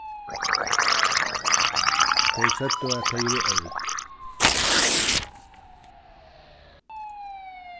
tey søgdu at tey eru ørg